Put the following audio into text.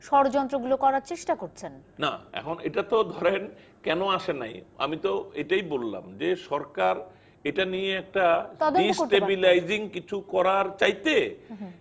ষড়যন্ত্র গুলো করার চেষ্টা করছেন না এখন এটা তো ধরেন কেন আসে নাই আমি তো এটাই বললাম যে সরকার এটা নিয়ে একটা রিস্টেবিলাইজিং কিছু করার চাইতে